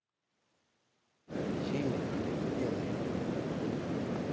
сири что ты делаешь